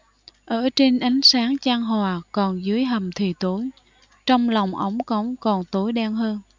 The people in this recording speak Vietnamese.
ở trên ánh sáng chan hòa còn dưới hầm thì tối trong lòng ống cống còn tối đen hơn